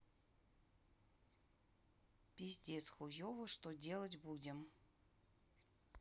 пиздец хуево что делать будем